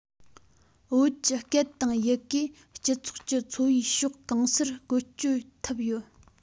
བོད ཀྱི སྐད དང ཡི གེ སྤྱི ཚོགས ཀྱི འཚོ བའི ཕྱོགས གང སར བཀོལ སྤྱོད ཐུབ ཡོད